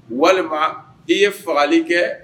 Walima i ye fagali kɛ